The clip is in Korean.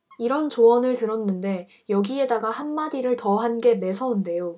이런 조언을 들었는데 여기에다가 한마디를 더 한 게 매서운데요